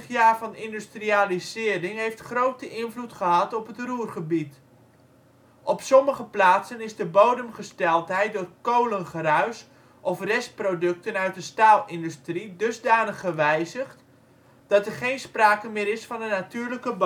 150 jaar van industrialisering heeft grote invloed gehad op het Ruhrgebied. Op sommige plaatsen is de bodemgesteldheid door kolengruis of restproducten uit de staalindustrie dusdanig gewijzigd, dat er geen sprake meer is van een natuurlijke bodem